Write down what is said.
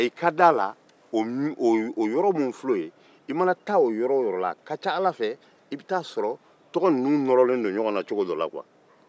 i mana taa o yɔrɔ fɛn o fɛn na i bɛ taa a sɔrɔ tɔgɔ ninnu nɔrɔlen don jɔgɔn na